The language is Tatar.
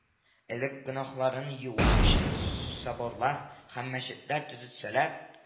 Элек гөнаһларын юу өчен соборлар һәм мәчетләр төзетсәләр